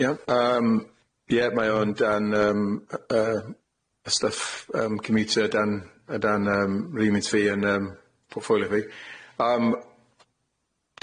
Iawn, yym ie mae o'n amdan yym yy yy y stwff yym commuteio o dan o dan yym remit fi yn yym portfolio fi yym,